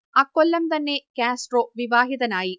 അക്കൊല്ലം തന്നെ കാസ്ട്രോ വിവാഹിതനായി